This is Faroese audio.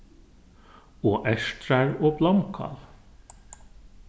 og ertrar og blómkál